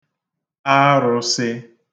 arụ̄sị̄